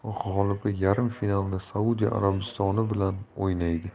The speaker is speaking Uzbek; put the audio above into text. finalda saudiya arabistoni bilan o'ynaydi